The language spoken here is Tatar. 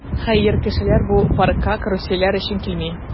Хәер, кешеләр бу паркка карусельләр өчен килми.